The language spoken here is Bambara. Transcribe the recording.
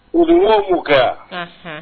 U woro mun kɛra